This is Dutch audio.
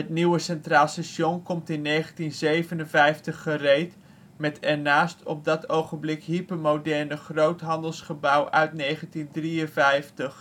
nieuwe Centraal Station komt in 1957 gereed, met ernaast het op dat ogenblik hypermoderne Groothandelsgebouw uit 1953. Ter